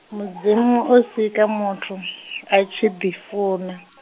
Mudzimu o sika muthu , a tshi ḓi funa.